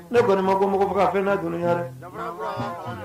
Ne kɔni ma ko mɔgɔ ko a fɛn ne donnaya dɛ